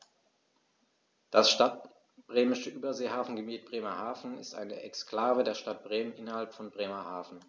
Das Stadtbremische Überseehafengebiet Bremerhaven ist eine Exklave der Stadt Bremen innerhalb von Bremerhaven.